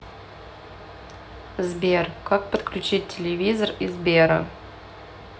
сбер как подключить телевизор и сбера